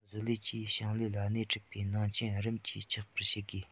བཟོ ལས ཀྱིས ཞིང ལས ལ སྣེ འཁྲིད པའི ནང རྐྱེན རིམ གྱིས ཆགས པར བྱེད དགོས